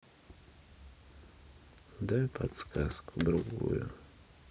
дай подсказку другую